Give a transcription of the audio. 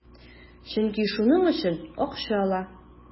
Чөнки шуның өчен акча ала.